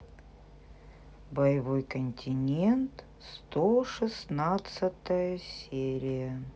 боевой континент сто шестнадцатая серия